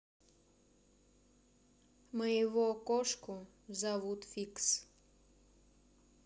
моего кошку зовут фикс